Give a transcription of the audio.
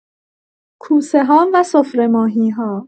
کوسه‌ها و سفره‌ماهی‌ها